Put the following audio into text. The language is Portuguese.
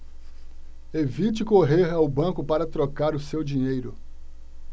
evite correr ao banco para trocar o seu dinheiro